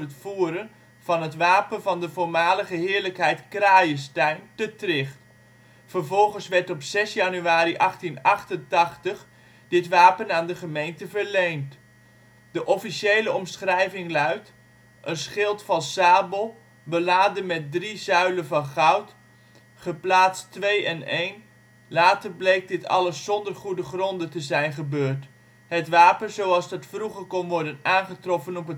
voeren van het wapen van de voormalige Heerlijkheid Kraaiensteijn (Crayestein) te Tricht. Vervolgens werd op 6 januari 1888 dit wapen aan de gemeente verleend. De officiële omschrijving luidt: een schild van sabel (zwart), beladen met drie zuilen van goud, geplaatst twee en een. Later bleek dit alles zonder goede gronden te zijn gebeurd. Het wapen zoals dat vroeger kon worden aangetroffen op